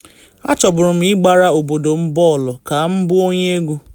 “Achọburu m ịgbara obodo m bọọlụ ka m bụ onye egwu.